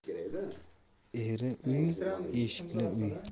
erli uy eshikli uy